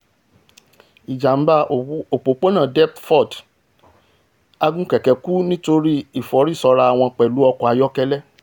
Ìjàm̀bá òpópónà Deptford: Agunkẹ̀kẹ́ kú nínú ìforísọrawọn pẹ̀lú ọkọ ayọ́kẹ́lẹ́